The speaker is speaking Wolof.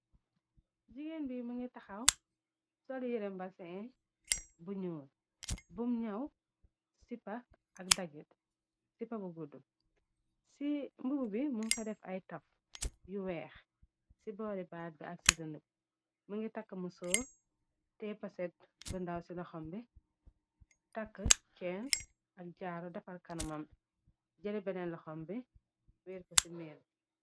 Jigéen bi më ngi taxaw sol yereem balsiin bu ñuul, bum ñaw dasipa ak daggit, sipa bu gudd ci mbug bi mun fa def ay taf yu weex , ci boori baat bi ak ci dëndbi , më ngi takka mu sóor, te paset bëndaaw ci loxam bi , tàkka cenn ak jaaru defar kanamami, jali beneen loxam bi wéir ko ci meel bi.